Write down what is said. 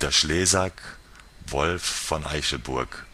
Schlesak Wolf von Aichelburg